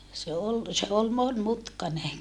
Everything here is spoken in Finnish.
se oli se oli monimutkainen